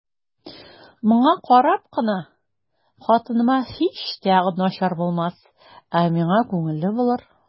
Моңа карап кына хатыныма һич тә начар булмас, ә миңа күңелле булыр.